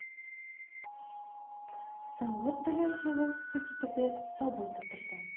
Савыт белән җылы су китерде, сабын тоттырды